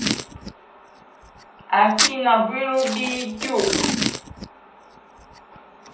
афина выруби youtube